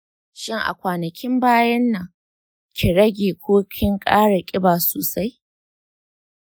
shin a kwanakin bayyannan ki rage ko kin ƙara kiba sosai ?